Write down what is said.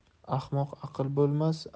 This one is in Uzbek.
ahmoqda aql bo'lmas